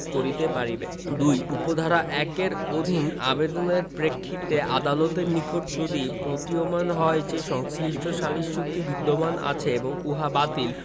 করিতে পারিবে ২ উপ ধারা ১ এর অধীন আবেদনের প্রেক্ষিতে আদালতের নিকট যদি প্রতীয়মান হয় যে সংশ্লিষ্ট সালিস চুক্তি বিদ্যমান আছে এবং উহা বাতিল